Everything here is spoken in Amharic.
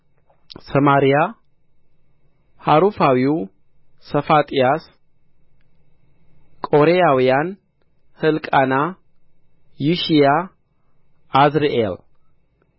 ሰማራያ ሀሩፋዊው ሰፋጥያስ ቆርያውያን ሕልቃና ይሺያ አዛርኤል